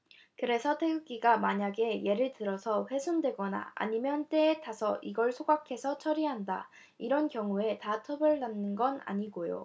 그래서 태극기가 만약에 예를 들어서 훼손되거나 아니면 때에 타서 이걸 소각해서 처리한다 이런 경우에 다 처벌받는 건 아니고요